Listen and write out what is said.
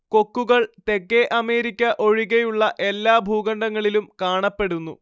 കൊക്കുകൾ തെക്കേ അമേരിക്ക ഒഴികെയുള്ള എല്ലാ ഭൂഖണ്ഡങ്ങളിലും കാണപ്പെടുന്നു